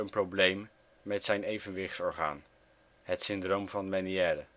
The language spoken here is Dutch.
probleem met zijn evenwichtsorgaan, het syndroom van Menière